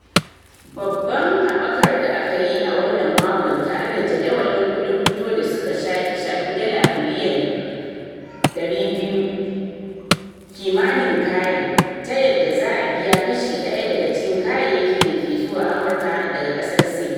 Babban haɓakar da aka yi a wannan makon tare jadawalin kuɗin fito da suka shafi dala biliyan 200 (£150 biliyan) kimanin kayan, ta yadda za a biya kashi ɗaya daga cikin kayayyaki da ke zuwa Amurka daga kasar Sin.